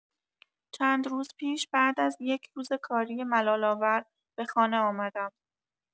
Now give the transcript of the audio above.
چند روز پیش بعد از یک روز کاری ملال‌آور به خانه آمدم.